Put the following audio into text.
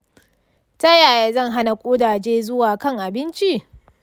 ta yaya zan hana ƙudaje zuwa kan abinci?